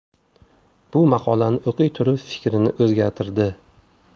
bu maqolani o'qiy turib fikrini o'zgartirdi